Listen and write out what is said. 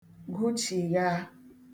gụchìgha